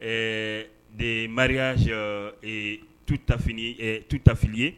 Ɛɛ de maria si ee tuta tu tafi ye